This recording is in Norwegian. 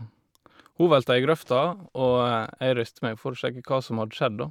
Hun velta i grøfta, og jeg reiste meg for å sjekke hva som hadde skjedd, da.